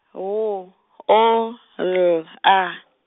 B O L A .